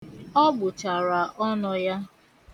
Ọ gbụchara ọnụ ya.